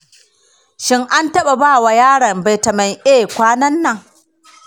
shin an ba wa yaron vitamin a kwanan nan?